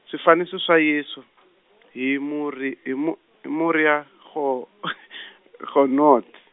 swifaniso swa Yesu , hi Muri hi Mu- hi Morier Go- Genoud.